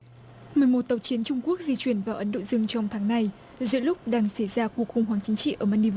mười một tàu chiến trung quốc di chuyển vào ấn độ dương trong tháng này giữa lúc đang xảy ra cuộc khủng hoảng chính trị ở man ni